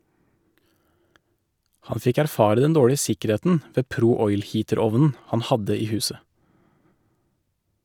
Han fikk erfare den dårlige sikkerheten ved Pro Oil Heater-ovnen han hadde i huset.